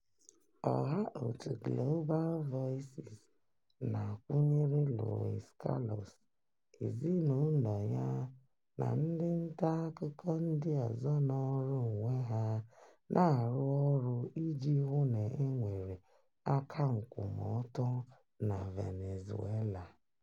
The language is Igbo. Ọha òtù Global Voices na-akwụnyere Luis Carlos, ezinụlọ ya, na ndị nta akụkọ ndị ọzọ nọọrọ onwe ha na-arụ ọrụ iji hụ na e nwere akankwụmọtọ na Venezuela.